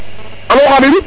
alo khadim